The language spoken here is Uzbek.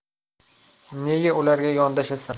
nega ularga yondashasan